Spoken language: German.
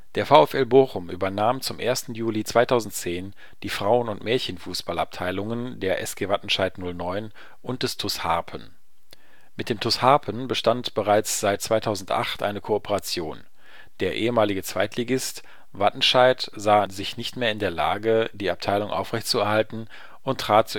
Der VfL Bochum übernahm zum 1. Juli 2010 die Frauen - und Mädchenfußballabteilungen der SG Wattenscheid 09 und des TuS Harpen. Mit dem TuS Harpen bestand bereits seit 2008 eine Kooperation, Der ehemalige Zweitligist Wattenscheid sah sich nicht mehr in der Lage, die Abteilung aufrechtzuerhalten und trat